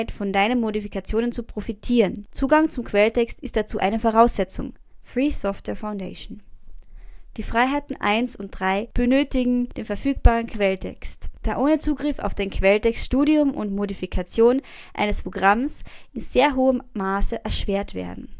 von deinen Modifikationen zu profitieren. Zugang zum Quelltext ist dazu eine Voraussetzung. “– Free Software Foundation Die Freiheiten 1 und 3 benötigen den verfügbaren Quelltext, da ohne Zugriff auf den Quelltext Studium und Modifikation eines Programms in sehr hohem Maße erschwert werden